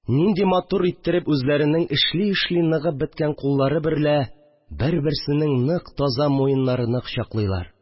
Нинди матур иттереп үзләренең эшли-эшли ныгып беткән куллары берлә бер-берсенең нык-таза муеннарыны кочаклыйлар